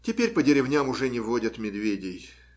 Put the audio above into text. Теперь по деревням уже не водят медведей.